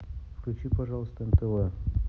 включи пожалуйста нтв